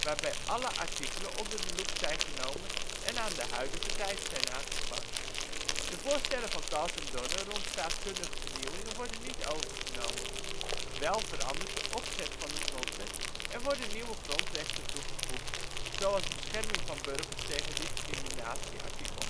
waarbij alle artikelen onder de loep zijn genomen en aan de huidige tijd zijn aangepast. De voorstellen van Cals/Donner rond staatkundige vernieuwing worden niet overgenomen. Wel verandert de opzet van de Grondwet en worden nieuwe grondrechten toegevoegd, zoals bescherming van burgers tegen discriminatie (artikel